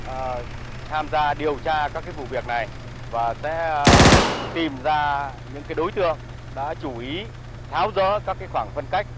ờ tham gia điều tra các cái vụ việc này và sẽ tìm ra những cái đối tượng đã chú ý tháo dỡ các cái khoảng phân cách